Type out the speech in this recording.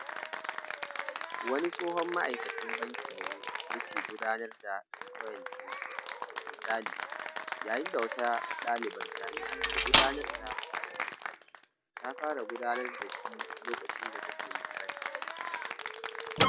Wani tsohon ma’aikacin banki ne yake gudanar da Citoyen Hmida, misali; yayin da wata ɗalibar jami’a ke gudanar da Adamito (ta fara gudanar da shi lokacin da take makarantar sakandare).